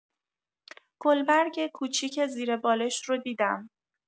گلبرگ کوچیک زیر بالش رو دیدم.